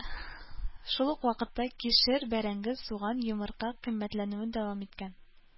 Шул ук вакытта кишер, бәрәңге, суган, йомырка кыйммәтләнүен дәвам иткән.